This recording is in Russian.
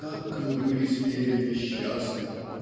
как мы были с нею несчастны!")